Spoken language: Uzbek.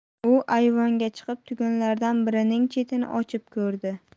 u ayvonga chiqib tugunlardan birining chetini ochib ko'rdi